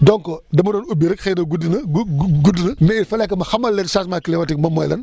donc dama doon ubbi rek xëy na guddi na gu gudd na mais il fallait que ma xamal leen changement climatique moom mooy lan